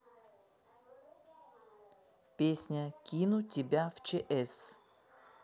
песня кину тебя в чс